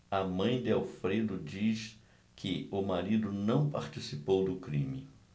a mãe de alfredo diz que o marido não participou do crime